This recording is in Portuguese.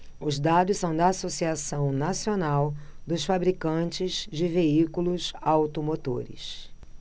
os dados são da anfavea associação nacional dos fabricantes de veículos automotores